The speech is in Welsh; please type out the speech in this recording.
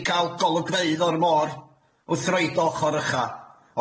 i ca'l golygfeydd o'r môr wrth roid o ochor ucha'.